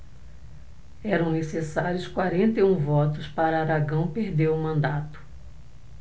eram necessários quarenta e um votos para aragão perder o mandato